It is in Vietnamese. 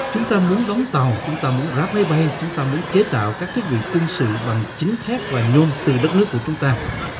chúng ta muốn đóng tàu chúng ta muốn ráp máy bay chúng ta muốn chế tạo các thiết bị quân sự bằng chính thép và nhôm từ đất nước của chúng ta